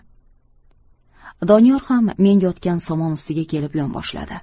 doniyor ham men yotgan somon ustiga kelib yonboshladi